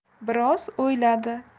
biroz o'yladi